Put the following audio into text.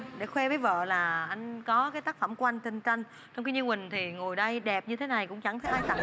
để khoe với vợ là anh có cái tác phẩm của anh trên tranh trong khi như quỳnh thì ngồi đây đẹp như thế này cũng chẳng thấy ai tặng